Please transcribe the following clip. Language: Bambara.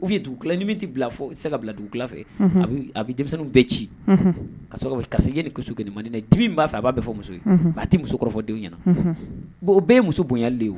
U dugu tɛ bila se ka bila dugu a bɛ denmisɛnnin bɛɛ ci ka kasi ni kelen mandenden di b'a fɛ a'a bɛ fɔ muso ye a tɛ musodenw ɲɛna o bɛɛ ye musobonli ye